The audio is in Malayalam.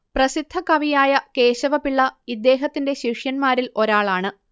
പ്രസിദ്ധകവിയായ കേശവപിള്ള ഇദ്ദേഹത്തിന്റെ ശിഷ്യന്മാരിൽ ഒരാളാണ്